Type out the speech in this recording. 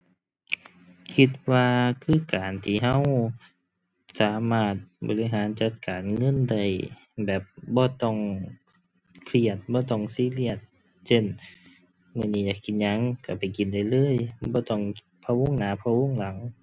คิดว่าคือการที่เราสามารถบริหารจัดการเงินได้ แบบบ่ต้องเครียด บ่ต้องซีเรียส เช่น มื้อนี้อยากกินหยังเราไปกินได้เลย บ่ต้องพะวงหน้าพะวงหลัง